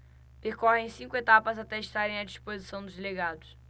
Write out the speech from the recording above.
percorrem cinco etapas até estarem à disposição dos delegados